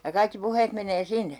ja kaikki puheet menee sinne